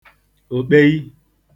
òkpei